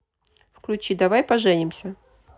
включить давай поженимся